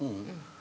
ja.